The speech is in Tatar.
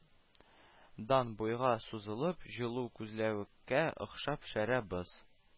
Дан-буйга сузылып, җылу-күзләвеккә охшап, шәрә боз